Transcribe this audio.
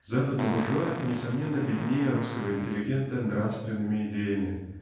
Западный буржуа несомненно беднее русского интеллигента нравственными идеями